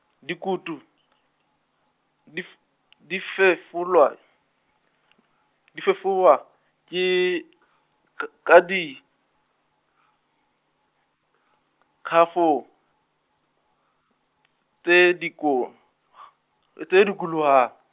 dikutu , di f-, di fefolwa , di fefuwa, ke , k- ka di , -khafo, tse diko- , tse dikolohang.